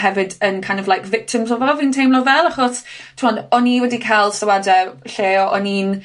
hefyd yn kind of like victims o fo fi'n teimlo fel achos, t'mod o'n i wedi ca'l sylwade lle o'n i'n